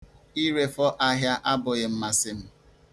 Irefọ ahịa abụghị mmasị m.